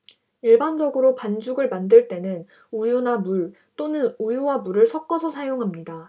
일반적으로 반죽을 만들 때는 우유나 물 또는 우유와 물을 섞어서 사용합니다